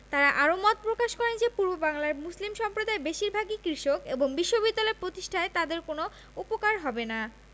তাঁরা আরও মত প্রকাশ করেন যে পূর্ববাংলার মুসলিম সম্প্রদায় বেশির ভাগই কৃষক এবং বিশ্ববিদ্যালয় প্রতিষ্ঠায় তাদের কোনো উপকার হবে না